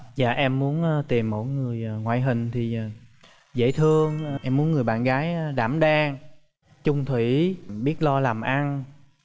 dạ em muốn tìm mẫu người ngoại hình thì dễ thương em muốn người bạn gái đảm đang chung thủy biết lo làm ăn